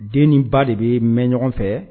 Den ni ba de bɛ mɛn ɲɔgɔn fɛ